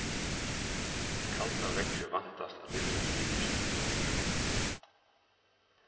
kalda veðrið væntast at liggja til vikuskiftið